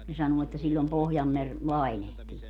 ne sanoo että silloin Pohjanmeri lainehtii